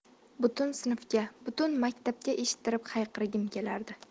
butun sinfga butun maktabga eshittirib hayqirgim kelardi